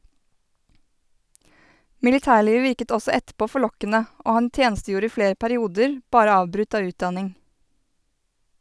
Militærlivet virket også etterpå forlokkende , og han tjenestegjorde i flere perioder, bare avbrutt av utdanning.